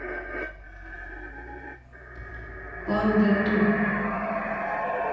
панда ту